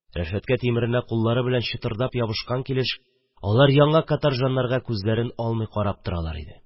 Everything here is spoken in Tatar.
Рәшәткә тимеренә куллары белән чытырдап ябышкан килеш, алар яңа каторжаннардан күзләрен алмый карап торалар иде.